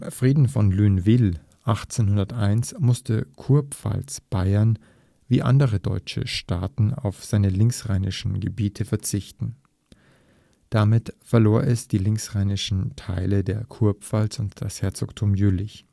Frieden von Lunéville 1801 musste Kurpfalzbayern wie andere deutsche Staaten auf seine linksrheinischen Gebiete verzichten. Damit verlor es die linksrheinischen Teile der Kurpfalz und das Herzogtum Jülich